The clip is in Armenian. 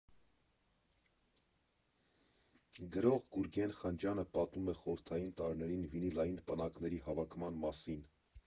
Գրող Գուրգեն Խանջյանը պատմում է խորհրդային տարիներին վինիլային պնակների հավաքման մասին։